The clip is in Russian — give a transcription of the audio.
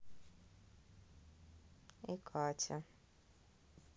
и катя